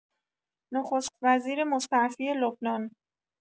نخست‌وزیر مستعفی لبنان